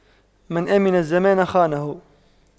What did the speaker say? من أَمِنَ الزمان خانه